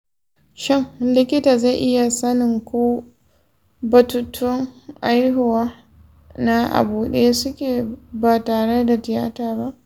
shin likita zai iya sanin ko bututun haihuwa na a buɗe suke ba tare da tiyata ba?